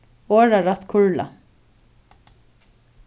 orðarætt kurla